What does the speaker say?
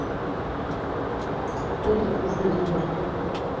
кто такой фредди меркьюри